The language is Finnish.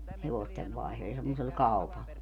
hevosten - ja semmoisella kaupalla